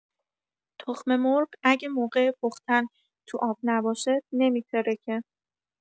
تخم‌مرغ اگه موقع پختن تو آب نباشه، نمی‌ترکه.